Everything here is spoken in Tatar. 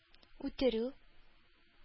Үтерү